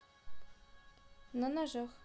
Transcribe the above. на ножах